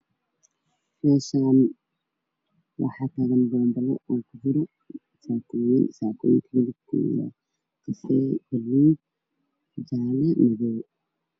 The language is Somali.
Meshan waxtagan bobilo oo kujiro sakoyin kalarkoda waa kafey baluug jale madow